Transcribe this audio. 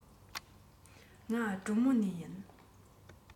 ང གྲོ མོ ནས ཡིན